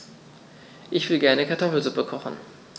Ich will gerne Kartoffelsuppe kochen.